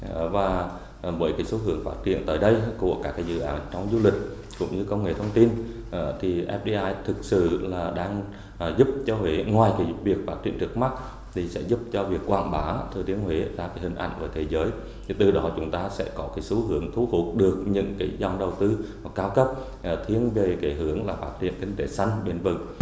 và bởi cái xu hướng phát triển tới đây của các dự án trong du lịch cũng như công nghệ thông tin ở thì ép đi ai thực sự là đang giúp cho huế ngoài cái việc phát triển trước mắt thì sẽ giúp cho việc quảng bá thừa thiên huế là hình ảnh của thế giới từ đó chúng ta sẽ có xu hướng thu hút được những cái dòng đầu tư nó cao cấp thiên về hướng phát triển kinh tế xanh bền vững